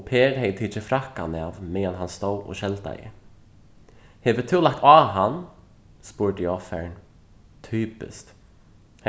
og per hevði tikið frakkan av meðan hann stóð og skeldaði hevur tú lagt á hann spurdi eg ovfarin typiskt